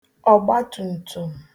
ọ̀gbatùmtùm